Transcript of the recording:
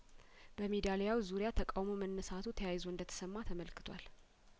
በሜዳሊያው ዙሪያተቃውሞ መነሳቱ ተያይዞ እንደተሰማ ተመልክቷል